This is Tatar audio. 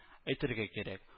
Әйтергә кирәк